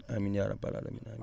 amiin yaa rabal aalamiina